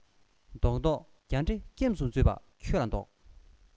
བཟློག བཟློག རྒྱ འདྲེ སྐྱེམས སུ བརྫུས པ ཁྱོད ལ བཟློག